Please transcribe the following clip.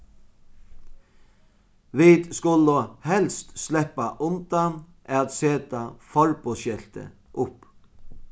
vit skulu helst sleppa undan at seta forboðsskelti upp